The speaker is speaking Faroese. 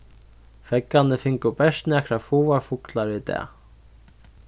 feðgarnir fingu bert nakrar fáar fuglar í dag